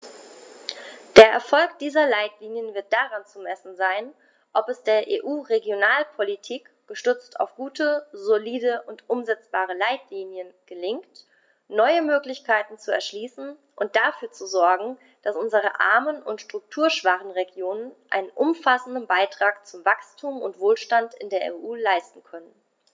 Der Erfolg dieser Leitlinien wird daran zu messen sein, ob es der EU-Regionalpolitik, gestützt auf gute, solide und umsetzbare Leitlinien, gelingt, neue Möglichkeiten zu erschließen und dafür zu sorgen, dass unsere armen und strukturschwachen Regionen einen umfassenden Beitrag zu Wachstum und Wohlstand in der EU leisten können.